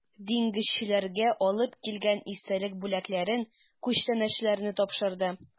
Диңгезчеләргә алып килгән истәлек бүләкләрен, күчтәнәчләрне тапшырды.